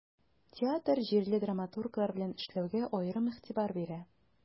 Театр җирле драматурглар белән эшләүгә аерым игътибар бирә.